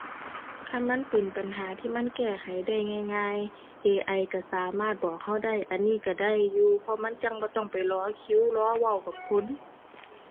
คันมันเป็นปัญหาที่มันแก้ไขได้ง่ายง่าย AI ก็สามารถบอกก็ได้ อันนี้ก็ได้อยู่ เพราะมันจั่งบ่ต้องไปรอคิว รอเว้ากับคน